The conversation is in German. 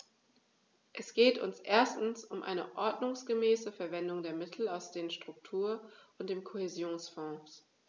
Es geht uns erstens um eine ordnungsgemäße Verwendung der Mittel aus den Struktur- und dem Kohäsionsfonds.